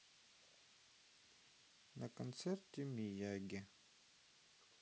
на концерте мияги